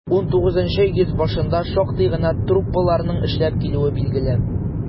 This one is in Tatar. XIX йөз башында шактый гына труппаларның эшләп килүе билгеле.